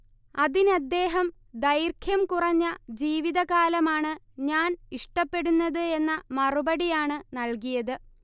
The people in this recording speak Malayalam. അതിനദ്ദേഹം ദൈർഘ്യം കുറഞ്ഞ ജീവിതകാലമാണ് ഞാൻ ഇഷ്ടപ്പെടുന്നത് എന്ന മറുപടിയാണ് നൽകിയത്